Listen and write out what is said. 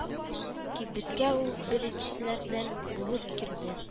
Кибеткә ул беренчеләрдән булып керде.